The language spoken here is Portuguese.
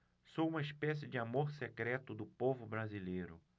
sou uma espécie de amor secreto do povo brasileiro